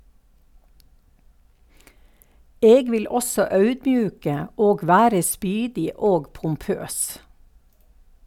Eg vil også audmjuke og vere spydig og pompøs.